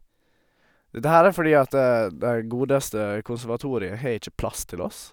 Dette her er fordi at det godeste Konservatoriet har ikke plass til oss.